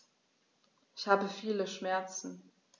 Ich habe viele Schmerzen.